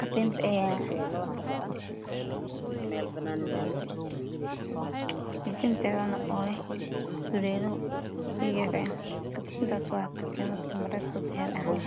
katiinta jijintedana oo leh dulelo yar yar katiintasoo ah dahabi ahaan